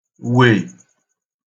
wè